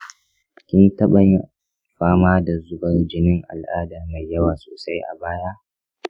kin taɓa yin fama da zubar jinin al'ada mai yawa sosai a baya?